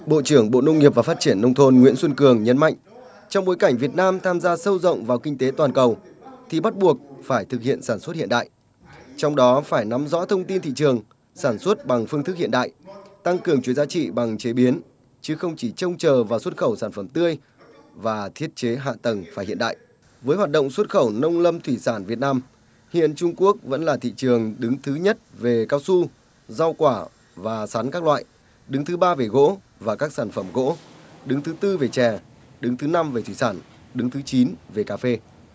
bộ trưởng bộ nông nghiệp và phát triển nông thôn nguyễn xuân cường nhấn mạnh trong bối cảnh việt nam tham gia sâu rộng vào kinh tế toàn cầu thì bắt buộc phải thực hiện sản xuất hiện đại trong đó phải nắm rõ thông tin thị trường sản xuất bằng phương thức hiện đại tăng cường chuỗi giá trị bằng chế biến chứ không chỉ trông chờ vào xuất khẩu sản phẩm tươi và thiết chế hạ tầng phải hiện đại với hoạt động xuất khẩu nông lâm thủy sản việt nam hiện trung quốc vẫn là thị trường đứng thứ nhất về cao su rau quả và sắn các loại đứng thứ ba về gỗ và các sản phẩm gỗ đứng thứ tư về chè đứng thứ năm về thủy sản đứng thứ chín về cà phê